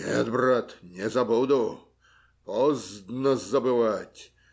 - Нет, брат, не забуду. Поздно забывать.